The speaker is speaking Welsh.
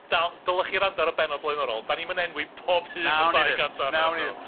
dal- dylech chi wrando ar y bennod blaenorol, 'dan ni'm yn enwi pob hun y dau gant a hanner o nw!